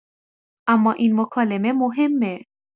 اما این مکالمه مهمه.